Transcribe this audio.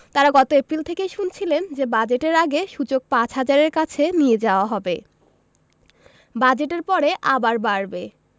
তাঁরা গত এপ্রিল থেকেই শুনছিলেন যে বাজেটের আগে সূচক ৫ হাজারের কাছে নিয়ে যাওয়া হবে বাজেটের পরে আবার বাড়বে